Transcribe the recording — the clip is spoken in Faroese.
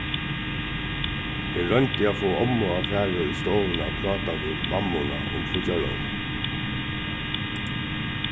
eg royndi at fáa ommu at fara í stovuna at práta við mammuna um fíggjarlógina